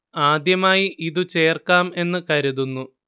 ആദ്യമായി ഇത് ചേർക്കാം എന്നു കരുതുന്നു